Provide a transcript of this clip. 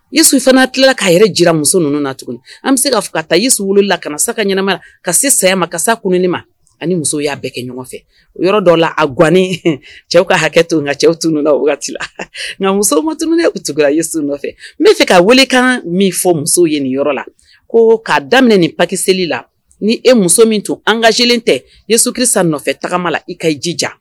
I su fana tila k' yɛrɛ jira muso ninnu na tugun an bɛ se k'a ka taa yesu wolo la ka na sa ka ɲɛnama ka se saya ma kasa kun ma ani muso y'a bɛɛ kɛ ɲɔgɔn fɛ o yɔrɔ dɔw la a gannen cɛw ka hakɛ to nka cɛw tun o wagati la nka muso matun u tugula yesu nɔfɛ n bɛa fɛ ka weelekan min fɔ muso ɲini yɔrɔ la ko k'a daminɛ ni pakiseli la ni e muso min tun an kaelen tɛ ye su kisa nɔfɛ tagama la i ka i jija